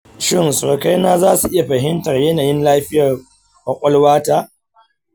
shin surukaina za su iya fahimtar yanayin lafiyar ƙwaƙwalwa ta?